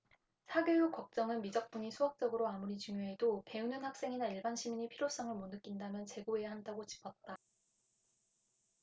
사교육걱정은 미적분이 수학적으로 아무리 중요해도 배우는 학생이나 일반 시민이 필요성을 못 느낀다면 재고해야 한다고 짚었다